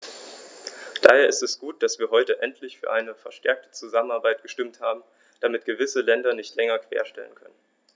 Daher ist es gut, dass wir heute endlich für eine verstärkte Zusammenarbeit gestimmt haben, damit gewisse Länder sich nicht länger querstellen können.